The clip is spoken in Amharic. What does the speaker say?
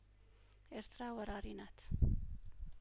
ኤርትራ ወራሪናት